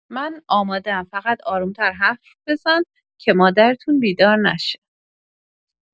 من آماده‌ام، فقط آروم‌تر حرف بزن که مادرتون بیدار نشه.